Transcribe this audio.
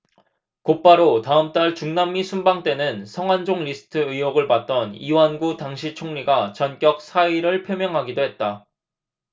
곧바로 다음달 중남미 순방 때는 성완종 리스트 의혹을 받던 이완구 당시 총리가 전격 사의를 표명하기도 했다